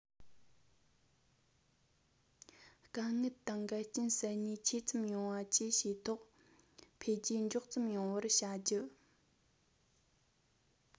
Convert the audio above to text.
དཀའ ངལ དང འགལ རྐྱེན སེལ ནུས ཆེ ཙམ ཡོང བ བཅས བྱས ཐོག འཕེལ རྒྱས མགྱོགས ཙམ ཡོང བར བྱ རྒྱུ